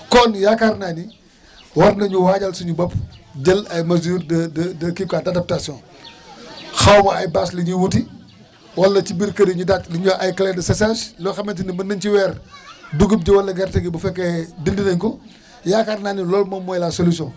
kon yaakaar naa ni war nañoo waajal suñu bopp jël ay mesures de de de de kii quoi d' adaptation xaw ma ay bâche la ñuy wuti wala ci biir kër yi ñu daaj li ñuy wax ay clé de séchage loo xamante ni mën nañ ci weer dugub ji wala gerte gi bu fekkee dindi nañ ko yaakaar naa ne loolu moom mooy la solution